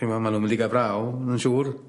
Chi'mo ma' nw'n mynd i ga' fraw ma'n siŵr.